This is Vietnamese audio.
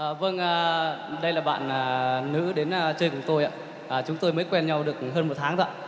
à vâng à đây là bạn à là nữ đến chơi cùng tôi à chúng tôi mới quen nhau được hơn một tháng thôi ạ